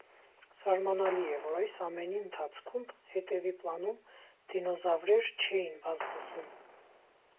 Զարմանալի է, որ այս ամենի ընթացքում հետևի պլանում դինոզավրեր չէին վազվզում։